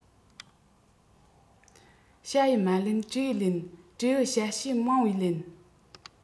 བྱ ཡི མ ལན སྤྲེའུས ལན སྤྲེའུ བྱ བྱེད མང བས ལན